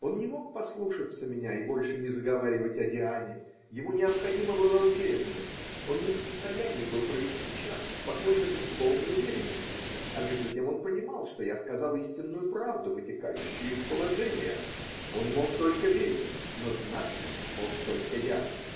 Он не мог послушаться меня и больше не заговаривать о Диане: ему необходима была уверенность, он не в состоянии был провести час спокойно без полной уверенности, а между тем он понимал, что я сказал истинную правду, вытекающую из положения: он мог только верить, но знать мог только я.